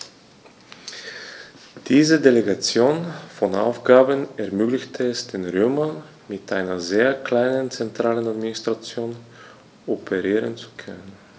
Diese Delegation von Aufgaben ermöglichte es den Römern, mit einer sehr kleinen zentralen Administration operieren zu können.